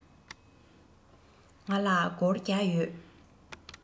ང ལ སྒོར བརྒྱ ཡོད